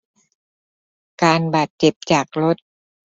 การบาดเจ็บจากรถ